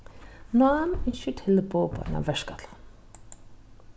nám ynskir tilboð upp á eina verkætlan